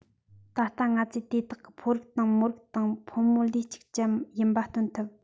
ད ལྟ ང ཚོས དེ དག ནི ཕོ རིགས དང མོ རིགས དང ཕོ མོ ལུས གཅིག ཅན ཡིན པ སྟོན ཐུབ